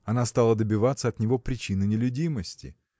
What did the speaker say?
Она стала добиваться от него причины нелюдимости.